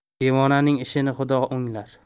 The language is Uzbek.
devonaning ishini xudo o'nglar